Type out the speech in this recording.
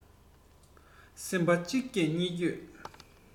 སེམས པ གཅིག འགྱོད གཉིས འགྱོད